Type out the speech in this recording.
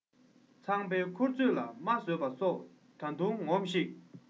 ཚངས པའི མཁུར ཚོས ལ རྨ བཟོས པ སོགས ད དུང ངོམས ཤིག